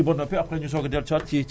oui